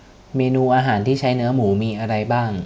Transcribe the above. เมนูอาหารที่ใช้เนื้อหมูมีอะไรบ้าง